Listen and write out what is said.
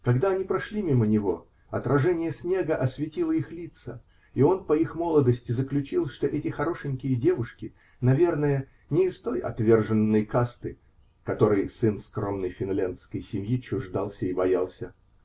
Когда они прошли мимо него, отражение снега осветило их лица, и он по их молодости заключил, что эти хорошенькие девушки, наверное, не из той отверженной касты, которой сын скромной финляндской семьи чуждался и боялся.